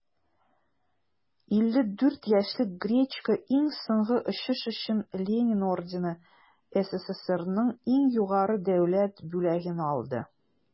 54 яшьлек гречко иң соңгы очыш өчен ленин ордены - сссрның иң югары дәүләт бүләген алды.